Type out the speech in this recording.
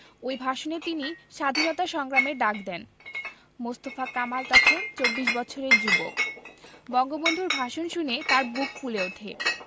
ওই ভাষণে তিনি স্বাধীনতা সংগ্রামের ডাক দেন মোস্তফা কামাল তখন চব্বিশ বছরের যুবক বঙ্গবন্ধুর ভাষণ শুনে তাঁর বুক ফুলে ওঠে